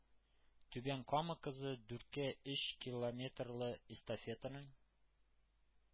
Түбән Кама кызы дүрткә өч километрлы эстафетаның